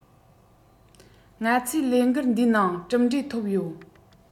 ང ཚོས ལས འགུལ འདི ནང གྲུབ འབྲས ཐོབ ཡོད